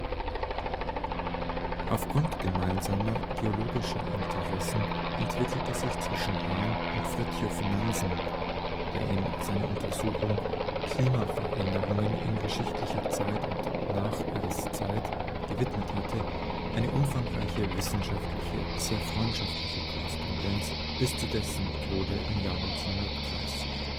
Aufgrund gemeinsamer geologischer Interessen entwickelte sich zwischen Hahn und Fridtjof Nansen, der ihm seine Untersuchung Klima-Veränderungen in geschichtlicher Zeit und Nacheiszeit (Oslo 1926) gewidmet hatte, eine umfangreiche wissenschaftliche, sehr freundschaftliche Korrespondenz bis zu dessen Tode im Jahre 1930